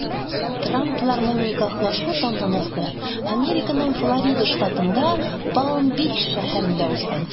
Трампларның никахлашу тантанасы Американың Флорида штатында Палм-Бич шәһәрендә узган.